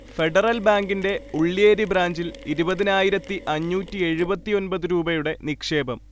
federal ബാങ്കിൻെറ ഉള്ള്യേരി ബ്രാഞ്ചിൽ ഇരുപതിനായിരത്തി അഞ്ഞൂറ്റി എഴുപത്തിയൊന്‍പത് രൂപയുടെ നിക്ഷേപം